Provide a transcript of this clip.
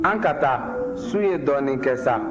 an ka taa su ye dɔɔnin kɛ sa